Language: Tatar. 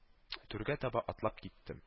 Түргә таба атлап киттем